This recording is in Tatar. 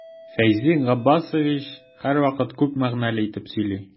Фәйзи Габбасович һәрвакыт күп мәгънәле итеп сөйли.